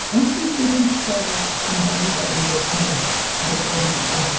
Ma' acshyli lle pitsa yn Bangor yn reit neis ar y... mm ...gornel.